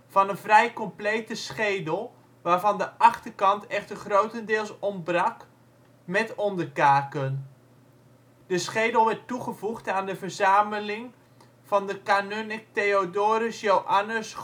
van een vrij complete schedel, waarvan de achterkant echter grotendeels ontbrak, met onderkaken. De schedel van Godding De schedel werd toegevoegd aan de verzameling van de kanunnik Theodorus Joannes